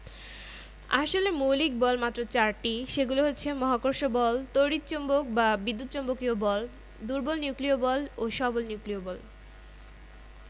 আসলে মৌলিক বল মাত্র চারটি সেগুলো হচ্ছে মহাকর্ষ বল তড়িৎ চৌম্বক বা বিদ্যুৎ চৌম্বকীয় বল দুর্বল নিউক্লিয় বল ও সবল নিউক্লিয় বল